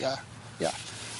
Ia ia.